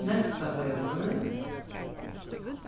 neystavegur